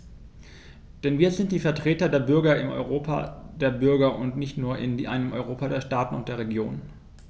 Denn wir sind die Vertreter der Bürger im Europa der Bürger und nicht nur in einem Europa der Staaten und der Regionen.